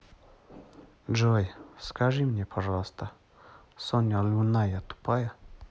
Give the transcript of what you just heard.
джой скажи мне пожалуйста соня лунина тупая